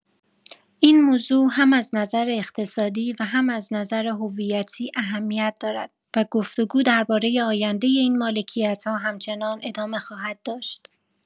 این موضوع هم از نظر اقتصادی و هم از نظر هویتی اهمیت دارد و گفت‌وگو درباره آینده این مالکیت‌ها همچنان ادامه خواهد داشت.